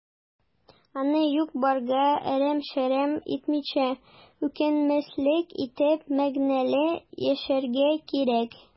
Аны юк-барга әрәм-шәрәм итмичә, үкенмәслек итеп, мәгънәле яшәргә кирәк.